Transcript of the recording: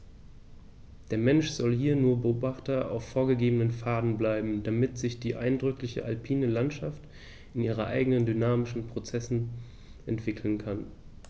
Der Mensch soll hier nur Beobachter auf vorgegebenen Pfaden bleiben, damit sich die eindrückliche alpine Landschaft in ihren eigenen dynamischen Prozessen entwickeln kann.